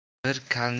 bir kalning hiylasi